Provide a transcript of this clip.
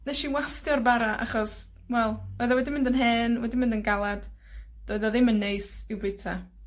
Nesh i wastio'r bara, achos, wel, oedd o wedi mynd yn hen, wedi mynd yn galad. Doedd o ddim yn neis i'w bita.